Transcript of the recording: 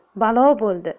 balo bo'ldi